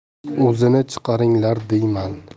o'zini chaqiringlar deyman